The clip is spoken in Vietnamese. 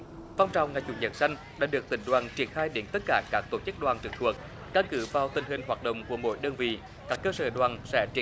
phong trào ngày chủ nhật xanh đã được tỉnh đoàn triển khai đến tất cả các tổ chức đoàn trực thuộc căn cứ vào tình hình hoạt động của mỗi đơn vị các cơ sở đoàn sẽ triển